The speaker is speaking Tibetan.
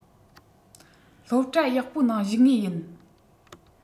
སློབ གྲྭ ཡག པོ ནང ཞུགས ངེས ཡིན